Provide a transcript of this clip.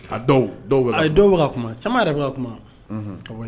A dɔw a ye dɔw ka kuma san yɛrɛ bɛ ka kuma